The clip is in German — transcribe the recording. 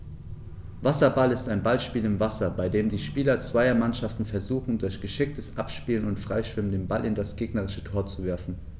Wasserball ist ein Ballspiel im Wasser, bei dem die Spieler zweier Mannschaften versuchen, durch geschicktes Abspielen und Freischwimmen den Ball in das gegnerische Tor zu werfen.